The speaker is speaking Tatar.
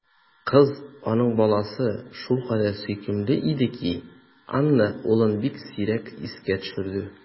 Кыз, аның баласы, шулкадәр сөйкемле иде ки, Анна улын бик сирәк искә төшерде.